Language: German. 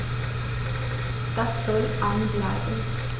Das soll an bleiben.